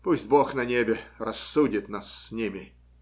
Пусть бог на небе рассудит нас с ними.